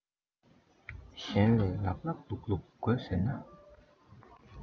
གཞན ནས ལགས ལགས ལུགས ལུགས དགོས ཟེར ན